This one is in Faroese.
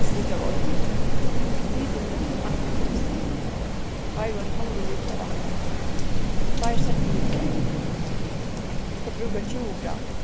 desilitur av olju hitin millum eitt og fimm stig tveir og ein hálvur litur av vatni tveir sentilitrar tú skalt brúka tjúgu gramm